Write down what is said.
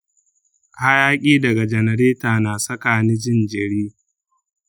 hayaƙi daga janareta na saka ni jin jiri.